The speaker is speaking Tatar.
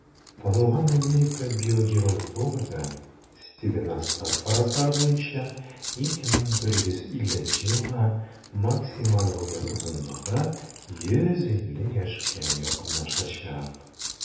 Танылган Америка биогеронтологы Стивен Остад фаразлары буенча, 2150 елга максималь гомер озынлыгы 150 яшькә якынлашачак.